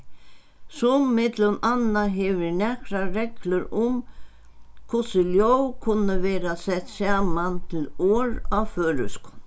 sum millum annað hevur nakrar reglur um hvussu ljóð kunnu verða sett saman til orð á føroyskum